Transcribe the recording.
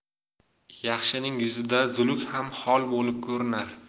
yaxshining yuzida zuluk ham xol bo'lib ko'rinar